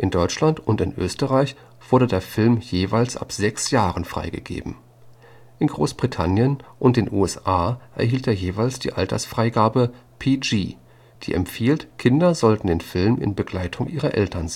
Deutschland und in Österreich wurde der Film jeweils ab sechs Jahren freigegeben. In Großbritannien und in den USA erhielt er jeweils die Altersfreigabe PG, die empfiehlt, Kinder sollten den Film in Begleitung ihrer Eltern